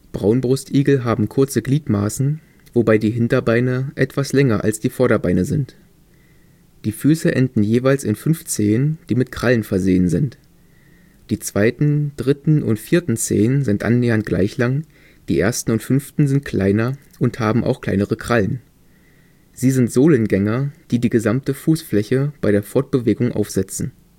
Braunbrustigel haben kurze Gliedmaßen, wobei die Hinterbeine etwas länger als die Vorderbeine sind. Die Füße enden jeweils in fünf Zehen, die mit Krallen versehen sind. Die zweiten, dritten und vierten Zehen sind annähernd gleich lang, die ersten und fünften sind kleiner und haben auch kleinere Krallen. Sie sind Sohlengänger, die die gesamte Fußfläche bei der Fortbewegung aufsetzen